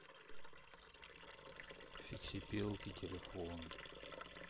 фиксипелки телефон